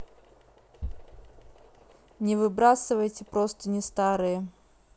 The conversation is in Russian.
не выбрасывайте простыни старые